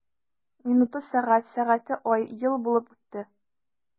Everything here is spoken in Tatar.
Минуты— сәгать, сәгате— ай, ел булып үтте.